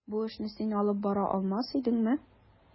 Бу эшне син алып бара алмас идеңме?